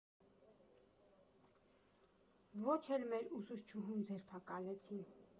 Ոչ էլ մեր ուսուցչուհուն ձերբակալեցին։